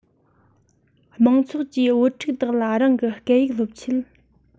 དམངས ཚོགས ཀྱིས བུ ཕྲུག དག ལ རང གི སྐད ཡིག སློབ ཆེད